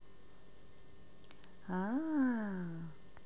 а а а а а а а